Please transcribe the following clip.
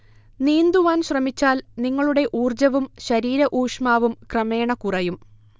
നീന്തുവാൻ ശ്രമിച്ചാൽ നിങ്ങളുടെ ഊർജവും ശരീര ഊഷ്മാവും ക്രമേണ കുറയും